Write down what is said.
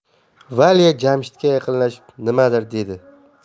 valya jamshidga yaqinlashib nimadir dedi